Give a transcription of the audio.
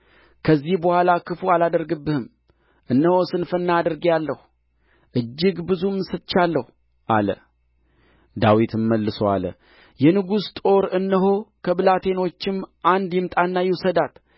ከዚህ በኋላ ክፉ አላደርግብህም እነሆ ስንፍና አድርጌአለሁ እጅግ ብዙም ስቻለሁ አለ ዳዊትም መልሶ አለ የንጉሥ ጦር እነሆ ከብላቴኖችም አንድ ይምጣና ይውሰዳት